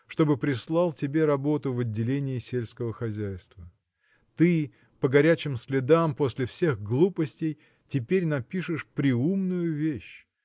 чтобы прислал тебе работу в отделение сельского хозяйства. Ты по горячим следам после всех глупостей теперь напишешь преумную вещь.